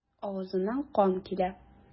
Авызыннан кан килә.